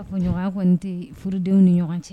A ko ɲɔgɔn kɔni tɛ furudenw ni ɲɔgɔn cɛ